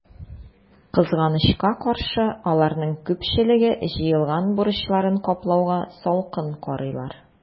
Кызганычка каршы, аларның күпчелеге җыелган бурычларын каплауга салкын карыйлар.